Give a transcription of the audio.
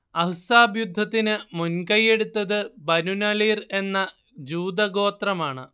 അഹ്സാബ് യുദ്ധത്തിന് മുൻകൈയ്യെടുത്തത് ബനുനളീർ എന്ന ജൂതഗോത്രമാണ്